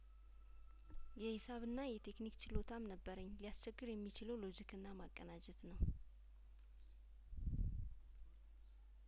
የሂሳብና የቴክኒክ ችሎታም ነበረኝ ሊያስቸግር የሚችለው ሎጅክና ማቀናጀት ነው